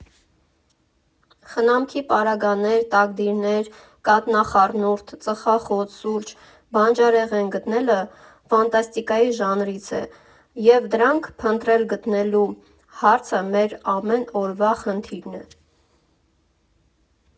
Խնամքի պարագաներ, տակդիրներ, կաթնախառնուրդ, ծխախոտ, սուրճ, բանջարեղեն գտնելը ֆանտաստիկայի ժանրից է, և դրանք փնտրել֊գտնելու հարցը մեր ամեն օրվա խնդիրն է։